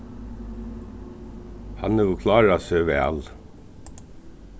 hann hevur klárað seg væl